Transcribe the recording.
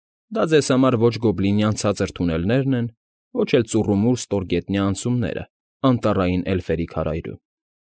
Դա ձեզ համար ոչ գոբլինյան ցածր թունելներն են, ոչ էլ ծուռումուռ ստորգետնյա անցումներն անտառային էլֆերի քարայրում։